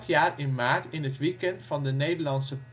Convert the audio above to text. jaar in maart in het weekend van de Nederlandse